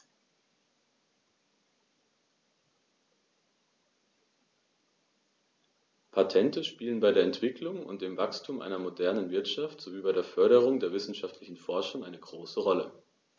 Patente spielen bei der Entwicklung und dem Wachstum einer modernen Wirtschaft sowie bei der Förderung der wissenschaftlichen Forschung eine große Rolle.